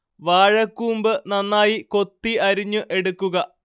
വാഴ കൂമ്പ് നന്നായി കൊത്തി അരിഞ്ഞു എടുക്കുക